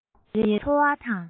ཁྱོད ཀྱི ཉིན རེའི ཚོར བ དང